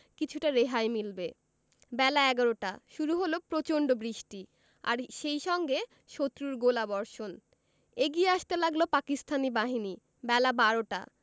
কিছুটা রেহাই মিলবে বেলা এগারোটা শুরু হলো প্রচণ্ড বৃষ্টি আর সেই সঙ্গে শত্রুর গোলাবর্ষণ এগিয়ে আসতে লাগল পাকিস্তানি বাহিনী বেলা বারোটা